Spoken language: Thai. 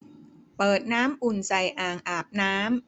เปิดน้ำอุ่นใส่อ่างอาบน้ำ